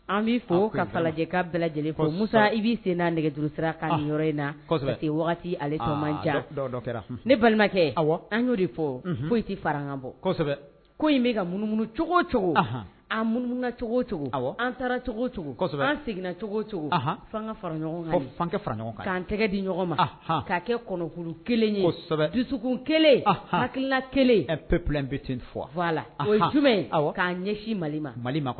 An bɛ fɔ ka ka lajɛlen musa i b'i sen n' nɛgɛ ne balimakɛ an'o de fɔ foyi tɛ fara bɔ ko in bɛ ka munumunu cogo cogo an cogo cogo an taara cogo cogo an seginna cogo cogo'an tɛgɛ di ɲɔgɔn ma ka kɛkuru kelen dusukun kelen hala kelen ppit fɔ jumɛn' ɲɛ mali ma